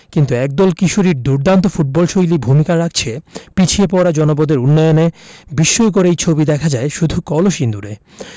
কিন্তু একদল কিশোরীর দুর্দান্ত ফুটবলশৈলী ভূমিকা রাখছে পিছিয়ে পড়া জনপদের উন্নয়নে বিস্ময়কর এই ছবি দেখা যায় শুধু কলসিন্দুরে